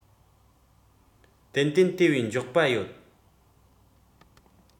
ཏན ཏན དེ བས མགྱོགས པ ཡོད